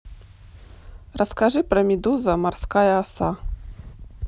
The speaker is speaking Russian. расскажи про медуза морская оса